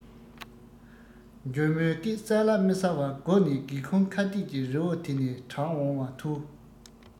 འཇོལ མོའི སྐད གསལ ལ མི གསལ བ སྒོ ནས སྒེའུ ཁུང ཁ གཏད ཀྱི རི བོ དེ ནས གྲགས འོང བ ཐོས